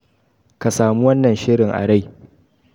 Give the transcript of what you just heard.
ka samu wannan shirin a rai.”